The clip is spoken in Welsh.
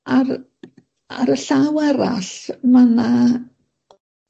ar ar y llaw arall ma' 'na